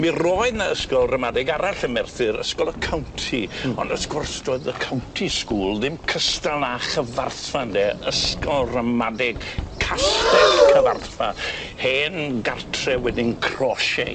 Mi roedd 'ny ysgol ramadeg arall yn Merthyr ysgol y County. Hmm. Ond wrs gwrs do'dd y County chool ddim cystal na Chyfarthfa ynde ysgol ramadeg Castell Cyfarthfa hen gartre wedyn Crauchete.